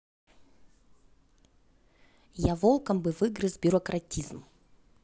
я волком бы выгрыз бюрократизм